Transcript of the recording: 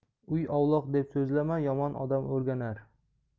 uy ovloq deb so'zlama yomon odam o'rganar